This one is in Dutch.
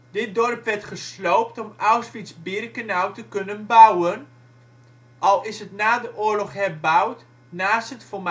dit dorp werd gesloopt om Auschwitz-Birkenau te kunnen bouwen, al is het na de oorlog herbouwd naast het voormalige